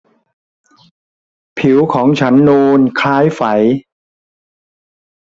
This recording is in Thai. ผิวของฉันนูนคล้ายไฝ